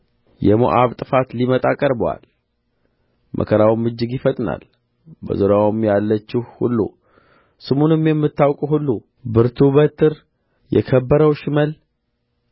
የሞዓብ ጥፋት ሊመጣ ቀርቦአል መከራውም እጅግ ይፈጥናል በዙሪያው ያላችሁ ሁሉ ስሙንም የምታውቁ ሁሉ ብርቱው በትር የከበረው ሽመል